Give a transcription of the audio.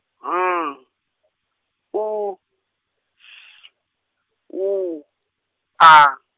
H, U, F , U, A.